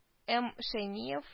Эм шәймиев